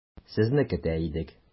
Сезне көтә идек.